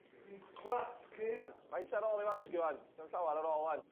Fi'n gwasgu. Faint ar ôl i wasgu 'wan dim llawar ar ôl 'wan.